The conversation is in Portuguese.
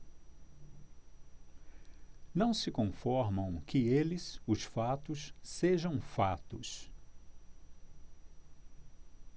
não se conformam que eles os fatos sejam fatos